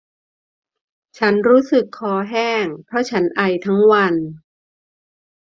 ฉันรู้สึกคอแห้งเพราะฉันไอทั้งวัน